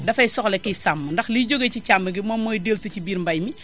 dafay soxla kiy sàmm ndax liy jógee ci càmm gi moom mooy déllu si ci biir mbay mi